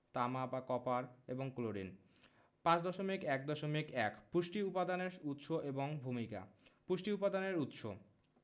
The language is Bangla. তামা বা কপার এবং ক্লোরিন ৫.১.১পুষ্টি উপাদানের উৎস এবং ভূমিকা পুষ্টি উপাদানের উৎস